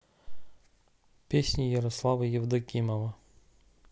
песни ярослава евдокимова